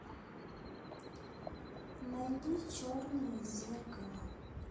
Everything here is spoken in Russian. найди черное зеркало